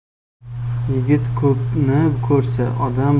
yigit ko'pni ko'rsa odam